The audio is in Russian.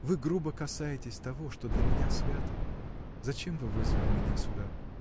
Вы грубо касаетесь того, что для меня свято. Зачем вы вызвали меня сюда?